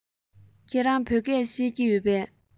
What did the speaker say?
ཁྱེད རང བོད སྐད ཤེས ཀྱི ཡོད པས